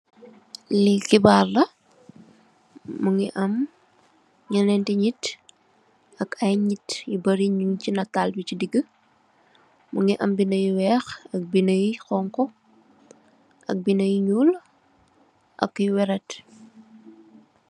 Lii khibarr la, mungy am njenenti nitt, ak aiiy nitt yu bari njung chi naatal bii chi digi, mungy am binda yu wekh ak binda yu honhu, ak binda yu njull ak yu wehrett.